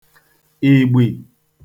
ìgbì